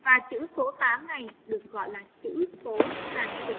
và chữ số ngày được gọi là chữ số hàng chục